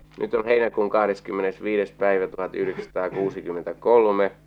nyt on heinäkuun kahdeskymmenesviides päivä tuhatyhdeksänsataakuusikymmentäkolme